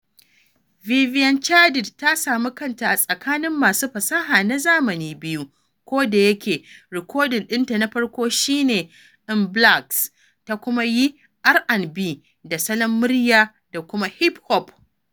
Viviane Chidid ta samu kanta a tsakanin masu fasaha na zamani biyu: kodayake rikodin ɗinta na farko shi ne Mbalax, ta kuma yi R&B da salon murya da kuma hip hop.